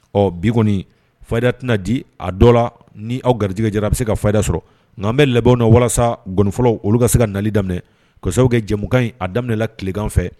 Ɔ bi kɔni faya tɛna di a dɔ la ni aw garijɛgɛja a bɛ se ka fada sɔrɔ nka an bɛ labɛnw na walasa g fɔlɔ olu ka se ka nali daminɛ kɔsaw kɛ jɛmukan in a daminɛ tilekan fɛ